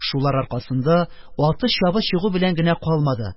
Шулар аркасында аты-чабы чыгу белән генә калмады,